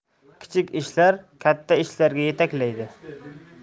kichik ishlar katta ishlarga yetaklaydi